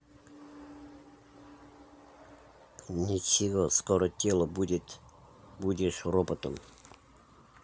ничего скоро тело будет будешь роботом